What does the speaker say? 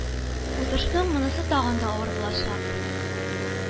Узышның монысы тагын да авыр булачак,